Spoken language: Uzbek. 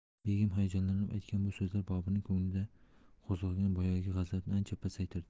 begim hayajonlanib aytgan bu so'zlar boburning ko'nglida qo'zg'agan boyagi g'azabni ancha pasaytirdi